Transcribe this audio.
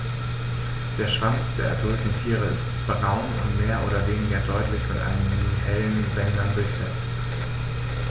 Der Schwanz der adulten Tiere ist braun und mehr oder weniger deutlich mit einigen helleren Bändern durchsetzt.